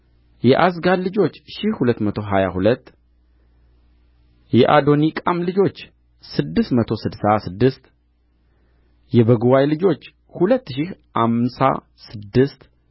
የዓዝጋድ ልጆች ሺህ ሁለት መቶ ሀያ ሁለት የአዶኒቃም ልጆች ስድስት መቶ ስድሳ ስድስት የበጉዋይ ልጆች ሁለት ሺህ አምሳ ስድስት